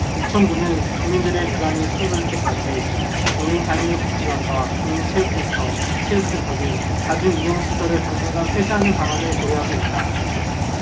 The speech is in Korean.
옥천군은 주민들의 불안이 수그러들 때까지 노인장애인복지관과 국민체육센터 체육센터 등 다중 이용시설을 당분간 폐쇄하는 방안을 고려하고 있다